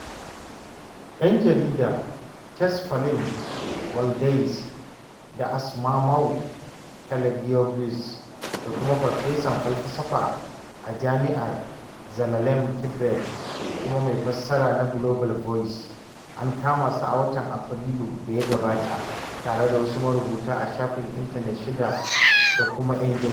‘Yan jarida, Tesfalem Waldyes da Asmamaw Hailegiorgis, da kuma farfesan falsafa a jami’a, Zelalem Kiberet, kuma mai fassara na Global Voices, an kama su a watan Afrilun da ya gabata, tare da wasu marubuta a shafin intanet shida da kuma ‘yan jarida.